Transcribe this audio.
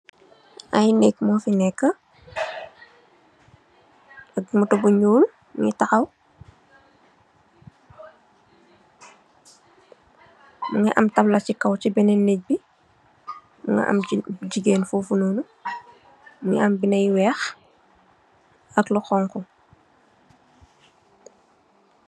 Ay nék ñu fi nekka ak motto bu ñuul mugii taxaw, mugii am tabla ci kaw ci benen nèk bi, mugii am jigeen fofu nonu, mugii am bindé yu wèèx ak lu xonxu.